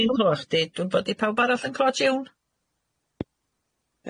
Dwi'n clwad chdi dwi'm bo 'di pawb arall yn clwad June?